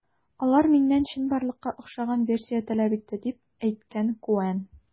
Алар миннән чынбарлыкка охшаган версия таләп итте, - дип дәвам иткән Коэн.